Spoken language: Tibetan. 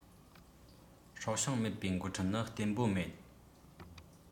སྲོག ཤིང མེད པའི འགོ ཁྲིད ནི བརྟན པོ མེད